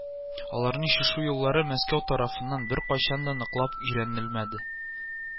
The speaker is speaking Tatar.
Аларны чишү юллары Мәскәү тарафыннан беркайчан да ныклап өйрәнелмәде